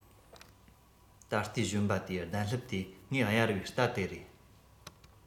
ད ལྟའི གཞོན པ དེའི གདན ལྷེབ དེ ངས གཡར བའི རྟ དེ རེད